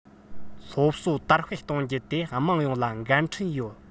སློབ གསོ དར སྤེལ གཏོང རྒྱུ དེ དམངས ཡོངས ལ འགན འཁྲི ཡོད